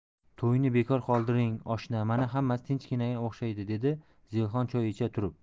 to'yni bekor qoldirding oshna mana hammasi tinchiganga o'xshaydi dedi zelixon choy icha turib